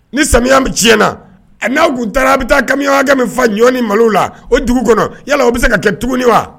Ni samiya tiɲɛna naw ku taara ka bi taa camion hakɛ min fa ɲɔ ni malow la o dugu kɔnɔ yala o bɛ se ka kɛ tuguni wa?